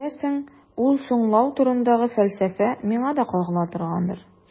Күрәсең, ул «соңлау» турындагы фәлсәфә миңа да кагыла торгандыр.